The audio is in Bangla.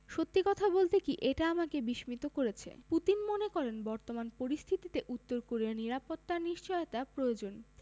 সত্যি কথা বলতে কি এটা আমাকে বিস্মিত করেছে পুতিন মনে করেন বর্তমান পরিস্থিতিতে উত্তর কোরিয়ার নিরাপত্তার নিশ্চয়তা প্রয়োজন